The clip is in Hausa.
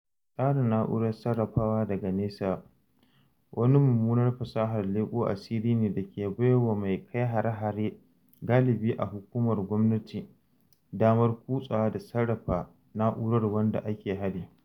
Tsarin Na’urar Sarrafawa daga Nesan wani mummunar fasahar leƙo asiri ne da ke bai wa mai kai hare-hare, galibi a hukumar gwamnati, damar kutsawa da sarrafa na’urar wanda ake hari.